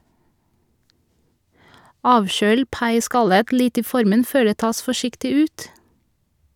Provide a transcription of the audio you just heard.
Avkjøl paiskallet litt i formen før det tas forsiktig ut.